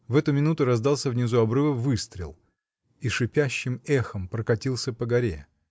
В эту минуту раздался внизу обрыва выстрел и шипящим эхом прокатился по горе.